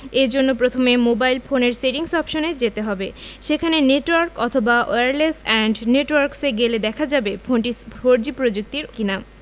এ জন্য প্রথমে মোবাইল ফোনের সেটিংস অপশনে যেতে হবে সেখানে নেটওয়ার্ক অথবা ওয়্যারলেস অ্যান্ড নেটওয়ার্কস এ গেলে দেখা যাবে ফোনটি ফোরজি প্রযুক্তির কিনা